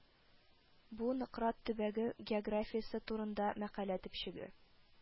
Бу Нократ төбәге географиясе турында мәкалә төпчеге